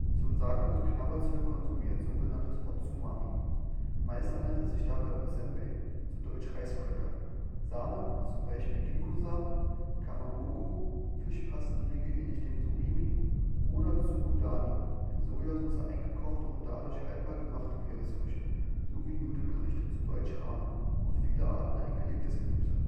Zum Sake wird Knabberzeug konsumiert, so genanntes Otsumami. Meist handelt es sich dabei um Senbei (Reiscracker), Samen (zum Beispiel Ginkgosamen), Kamaboko (Fischpastenriegel ähnlich dem Surimi) oder Tsukudani (in Sojasauce eingekochte und dadurch haltbar gemachte Meeresfrüchte), sowie Nudelgerichte (Ramen) und viele Arten eingelegtes Gemüse